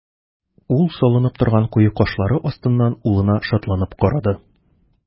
Ул салынып торган куе кашлары астыннан улына шатланып карады.